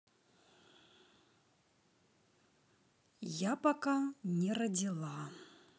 я пока не родила